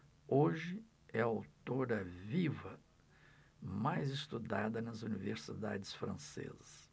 hoje é a autora viva mais estudada nas universidades francesas